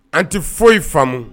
An tɛ foyi faamu